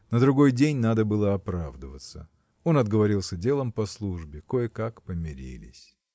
На другой день надо было оправдываться. Он отговорился делом по службе. Кое-как помирились.